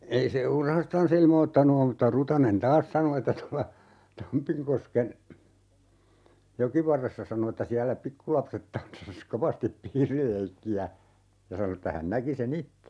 ei se murhastansa ilmoittanut ole mutta Rutanen taas sanoi että tuolla Tampinkosken jokivarressa sanoi että siellä pikkulapset tanssasi kovasti piirileikkiä ja sanoi että hän näki sen itse